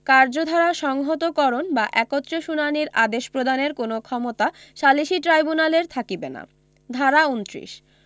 কার্যধারা সংহতকরণ বা একত্রে শুনারীর আদেশ প্রদানের কোন ক্ষমতা সালিসী ট্রাইব্যুনালের থাকিবে না ধারা ২৯